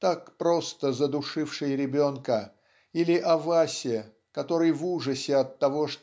так просто задушившей ребенка или о Васе который в ужасе от того